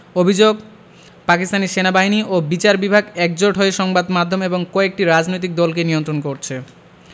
অভিযোগ পাকিস্তানি সেনাবাহিনী ও বিচার বিভাগ একজোট হয়ে সংবাদ মাধ্যম এবং কয়েকটি রাজনৈতিক দলকে নিয়ন্ত্রণ করছে